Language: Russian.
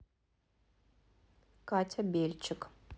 катя бельчик